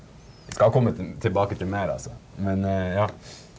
skal komme tilbake til mer altså men ja.